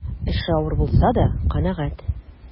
Эше авыр булса да канәгать.